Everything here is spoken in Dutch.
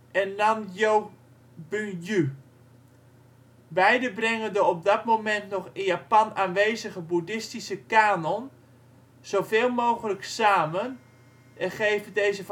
en Nanjiō Bunyū. Beiden brengen de op dat moment nog in Japan aanwezige boeddhistische canon zo veel mogelijk samen en geven deze